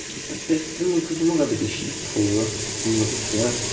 D- be- dwi'm dwi'm yn gwbod be 'di Sheeple ddo. Dwi'm yn gwbod be 'di hynna.